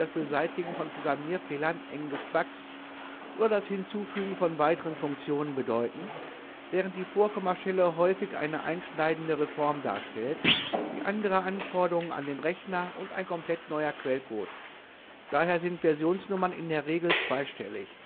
Beseitigen von Programmierfehlern (englisch bugs) oder das Hinzufügen von weiteren Funktionen, bedeuten, während die „ Vorkommastelle “häufig eine einschneidende Reform darstellt, wie andere Anforderungen an den Rechner und ein komplett neuer Quellcode. Daher sind Versionsnummern in der Regel zweistellig